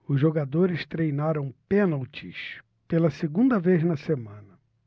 os jogadores treinaram pênaltis pela segunda vez na semana